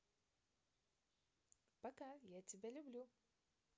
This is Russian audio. пока я тебя люблю